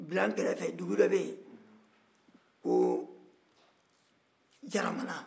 bila kɛrɛfɛ dugu dɔ bɛ yen ko jaramana